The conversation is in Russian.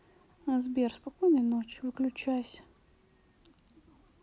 сбер спокойной ночи выключайся